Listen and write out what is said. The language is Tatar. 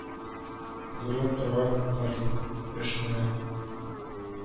Гөрләп тора, парин, эш менә